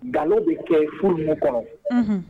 Ga bɛ kɛ furu minɛ kɔnɔ